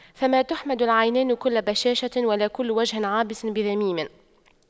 فما تحمد العينان كل بشاشة ولا كل وجه عابس بذميم